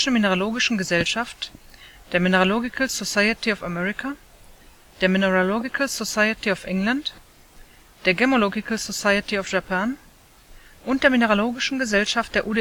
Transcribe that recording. Mineralogischen Gesellschaft, der Mineralogical Society of America, der Mineralogical Society of England, der Gemmological Society of Japan und der Mineralogischen Gesellschaft der UdSSR